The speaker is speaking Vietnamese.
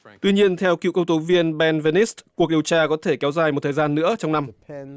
tuy nhiên theo cựu công tố viên ben vê nít cuộc điều tra có thể kéo dài một thời gian nữa trong năm